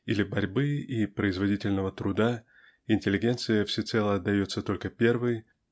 или борьбы и производительного труда -- интеллигенция всецело отдается только первой